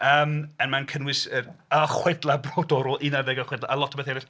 Yym a mae'n cynnwys y Chwedlau Brodorol un ar ddeg o chwedlau, a lot o bethau eraill.